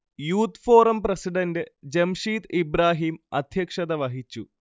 youth forum president Jamsheed Ibrahim അദ്ധ്യക്ഷത വഹിച്ചു